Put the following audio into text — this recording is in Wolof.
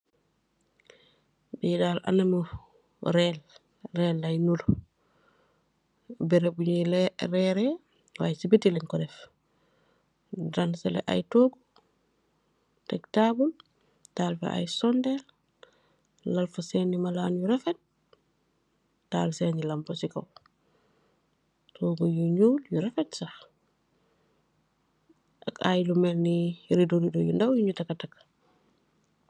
Bii daal anamu rerre lai nduru, beureubu bu njui leh rerreh y ci biti lenkor deff, raanzaleh aiiy tohgu, tek taabul, taal fa aiiy sonndell, lal fa sehni marlan yu rafet, taarl sehni lampah cii kaw, tohgu yu njull yu rafet sa, ak aiiy lu melni ridoh ridoh yu ndaw yu nju tahkah tahkah.